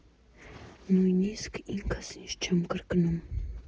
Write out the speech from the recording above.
Նույնիսկ ինքս ինձ չեմ կրկնում։